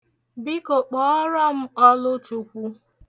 Biko, kpọọrọ m Ọlụchukwu.